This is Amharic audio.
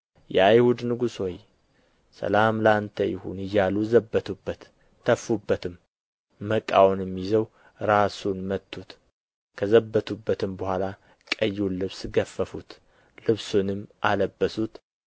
የአይሁድ ንጉሥ ሆይ ሰላም ለአንተ ይሁን እያሉ ዘበቱበት ተፉበትም መቃውንም ይዘው ራሱን መቱት ከዘበቱበትም በኋላ ቀዩን ልብስ ገፈፉት ልብሱንም አለበሱት